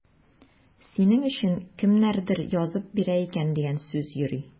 Синең өчен кемнәрдер язып бирә икән дигән сүз йөри.